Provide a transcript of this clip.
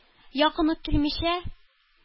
Якын ук килмичә,